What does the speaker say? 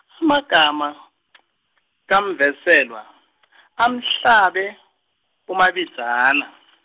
amagama , kaMvenselwa , amhlabe, uMabinzana.